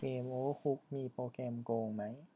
เกมโอเวอร์คุกมีโปรแกรมโกงไหม